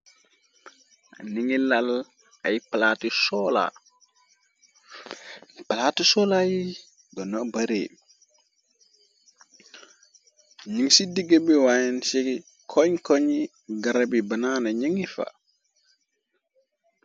Mu ngi lal ay palaati solar, palaati solar yi dona baree nungi ci digga bi wayn ci koñ koñi garab yi bana na nungi fa.